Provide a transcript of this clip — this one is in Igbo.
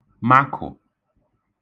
makụ̀